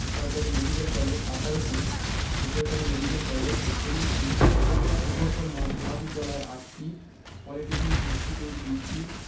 সরকারি medical college ১৮টি বেসরকারি মেডিকেল কলেজ ৪১টি প্রকৌশল মহাবিদ্যালয় ৮টি পলিটেকনিক ইনস্টিটিউট ২০টি